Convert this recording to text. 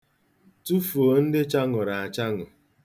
Tụfuo ndị chaṅụrụ achaṅụ.